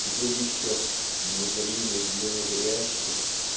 теперь еще "незримый для незрящих"